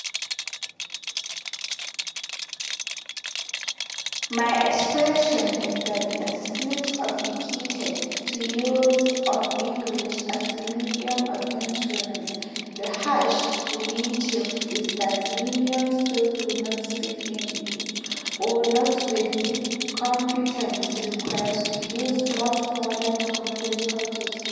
My impression is that in spite of decades of the use of English as the medium of instruction, the harsh reality is that millions still do not speak English or not with the competence required to use most modern technological tools.